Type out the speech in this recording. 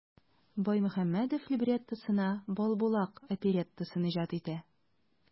Баймөхәммәдев либреттосына "Балбулак" опереттасын иҗат итә.